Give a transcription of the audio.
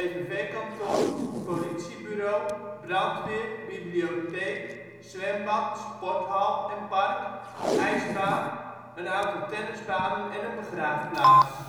VVV-kantoor, politiebureau, brandweer, bibliotheek, zwembad, sporthal en - park, ijsbaan, een aantal tennisbanen en een begraafplaats